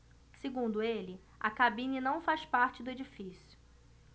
segundo ele a cabine não faz parte do edifício